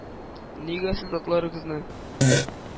-нигә сез атларыгызны